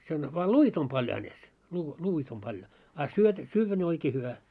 sen vain luit on paljon hänessä - luita on paljon a - syödä ne oikein hyvä